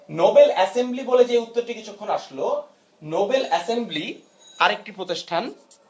Nobel assembly বলে যে উত্তরটি কিছুক্ষণ আগে আসলো নোবেল অ্যাসামলি আরেকটি প্রতিষ্ঠান